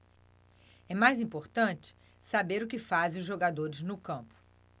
é mais importante saber o que fazem os jogadores no campo